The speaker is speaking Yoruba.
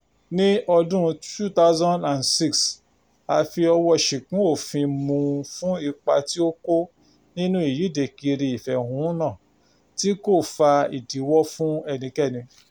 Ní ọdún 2006, a fi ọwọ́ọ ṣìgún òfin mú u fún ipa tí ó kó nínú ìyíde kiri ìfẹ̀hànnúhàn tí kò fa ìdíwọ́ fún ẹnikẹ́ni.